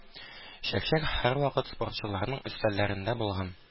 Чәк-чәк һәрвакыт спортчыларның өстәлләрендә булган.